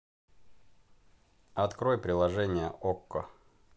открой приложение окко